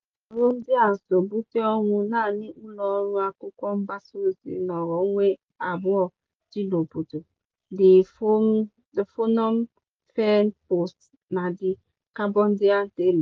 Usoro ndị a so bute ọnwụ naanị ụlọ ọrụ akwụkwọ mgbasaozi nnọọrọ onwe abụọ dị n'obodo ---The Phnom Pehn Post na The Cambodia Daily.